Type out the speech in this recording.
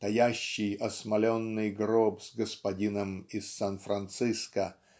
таящий осмоленный гроб с господином из Сан-Франциско